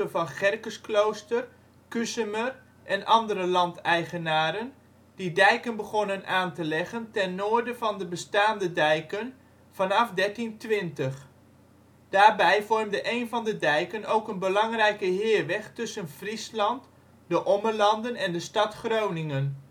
van Gerkesklooster, Cusemer en andere landeigenaren, die dijken begonnen aan te leggen ten noorden van de bestaande dijken vanaf 1320. Daarbij vormde een van de dijken ook een belangrijke heerweg tussen Friesland, de Ommelanden en de stad Groningen